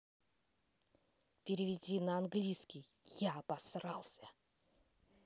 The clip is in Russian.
переведи на английский я обосрался